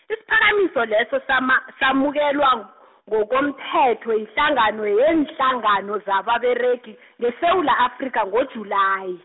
isiphakamiso leso sama- samukelwa ngokomthetho yihlangano yeenhlangano zababeregi, ngeSewula Afrika ngoJulayi.